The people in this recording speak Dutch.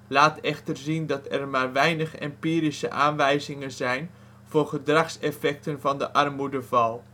laat echter zien dat er maar weinig empirische aanwijzingen zijn voor gedragseffecten van de armoedeval